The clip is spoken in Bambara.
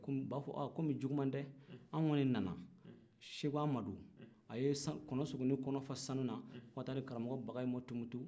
u b'a fɔ kɔmi juguman tɛ an kɔnin nana seko amadu a ye kɔnɔsogoni kɔnɔ fa sanu ko ka t'a di karamɔgɔ bakayi ma tumutu